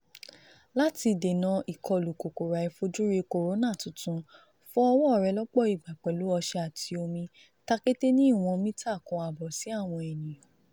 Láti dènà ìkọlù kòkòrò àìfojúrí kòrónà tuntun fọ ọwọ́ rẹ lọ́pọ̀ ìgbà pẹ̀lú ọṣẹ àti omi, takété ní ìwọ̀n mítà 1.5 sí àwọn ènìyàn.